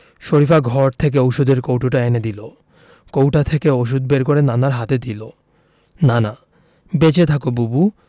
শরিফা ঘর থেকে ঔষধের কৌটোটা এনে দিল কৌটা থেকে ঔষধ বের করে নানার হাতে দিল নানা বেঁচে থাকো বুবু